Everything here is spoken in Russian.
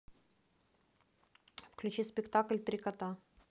включи спектакль три кота